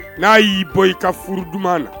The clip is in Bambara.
N'a y'i bɔ i ka furuduman na